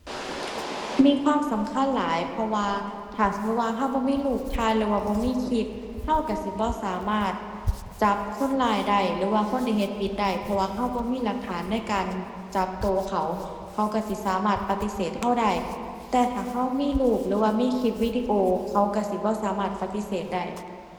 ธนาคารที่ใช้อยู่ใส่ ให้ข้อมูลเกี่ยวกับการโอนการหยังชัดเจนหลายอยู่